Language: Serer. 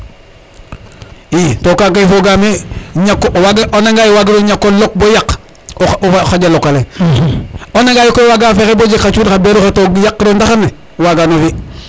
i to kaga koy fogame ñako o anda nga ye wagiro ñako lok bo yaqo xaƴa lokake o ana nga ye koy waga fexeybo jeg xa cuuɗ xa beeruxe to yaqiro ndaxr ne waga no fi